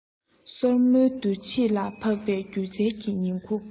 སོར མོའི འདུ བྱེད ལ ཕབ པའི སྒྱུ རྩལ གྱི ཉིང ཁུ